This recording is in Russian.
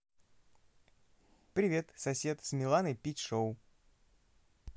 привет сосед с миланой пить шоу